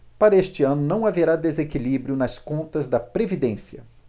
para este ano não haverá desequilíbrio nas contas da previdência